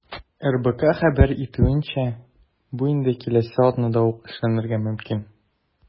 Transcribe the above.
РБК хәбәр итүенчә, бу инде киләсе атнада ук эшләнергә мөмкин.